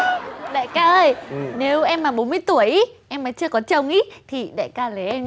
đại ca ơi nếu em là bốn mươi tuổi í em vẫn chưa có chồng í thì đại ca lấy em